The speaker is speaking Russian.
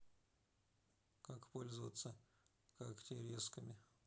как пользоваться когтерезками